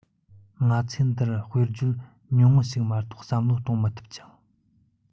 ང ཚོས འདི རུ དཔེར བརྗོད ཉུང ངུ ཞིག མ གཏོགས བསམ བློ གཏོང མི ཐུབ ཅིང